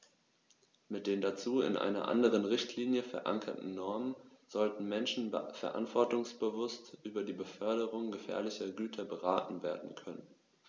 Mit den dazu in einer anderen Richtlinie, verankerten Normen sollten Menschen verantwortungsbewusst über die Beförderung gefährlicher Güter beraten werden können.